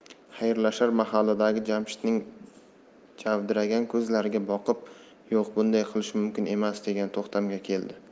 xayrlashar mahalidagi jamshidning javdiragan ko'zlariga boqib yo'q bunday qilishi mumkin emas degan to'xtamga keldi